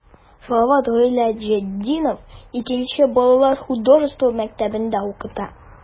Салават Гыйләҗетдинов 2 нче балалар художество мәктәбендә укыта.